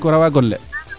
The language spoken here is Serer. ko rawa gonle